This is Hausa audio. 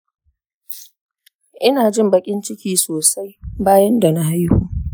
ina jin bakin ciki sosai bayan dana haihu